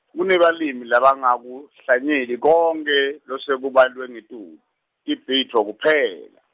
kunebalimi labangakuhlanyeli konkhe losekubalwe ngetulu, tibhidvo kuphela.